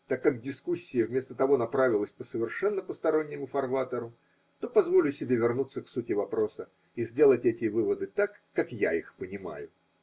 Так как дискуссия вместо того направилась по совершенно постороннему фарватеру, то позволю себе вернуться к сути вопроса и сделать эти выводы так. как я их понимаю.